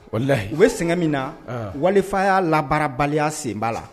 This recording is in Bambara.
U bɛ sɛgɛn min na wali y'a labaarabaliya senba la